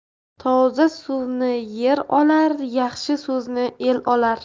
toza suvni yer olar yaxshi so'zni el olar